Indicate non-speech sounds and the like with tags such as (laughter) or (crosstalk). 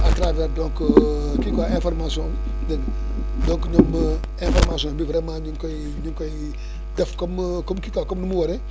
(noise) à travers :ra donc (noise) (hesitation) kii quoi information bi dégg nga (noise) donc ñoom ñooy information bi vraiment ñu ngi koy ñu ngi koy (breath) def comme (hesitation) comme kii quoi comme nu mu waree